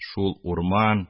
Шул урман,